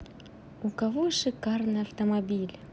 у кого шикарный автомобиль